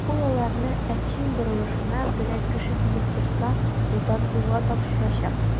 Ул аларны Әкчин борылышына берәр кеше килеп торса, кулдан-кулга тапшырачак.